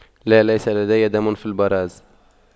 لا ليس لدي دم في البراز